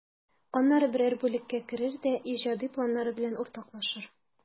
Аннары берәр бүлеккә керер дә иҗади планнары белән уртаклашыр.